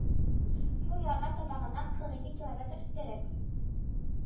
Сул ярына тамагыннан кырык ике километр өстәрәк